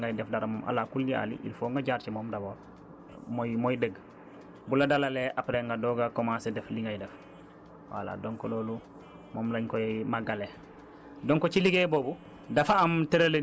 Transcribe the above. xanaa fii bépp programme bu ñëw fii balaa ngay def dara moom allah kulli alli il faut nga jaar ci moom d' abord mooy mooy dëgg bu la dalalee après nga doog a commencé def li ngay def voilà donc loolu moom lañ koy màggalee